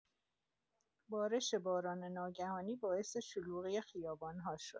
بارش باران ناگهانی باعث شلوغی خیابان‌ها شد.